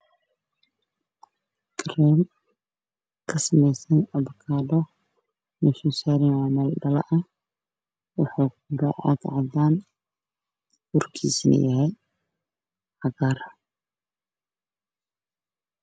Halkaan waxaa ka muuqdo cream ku body super food waana labo xabo midabkoodu waa furka oo cagaar ah iyo inta kale oo cadaan iyo cagaar iyo madaw